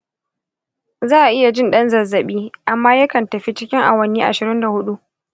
za’a iya jin ɗan zazzabi, amma yakan tafi cikin awanni ashirin da hudu.